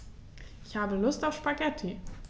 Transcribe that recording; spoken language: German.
Ich habe Lust auf Spaghetti.